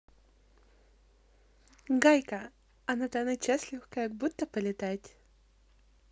гайка а натана частлив как будто полетать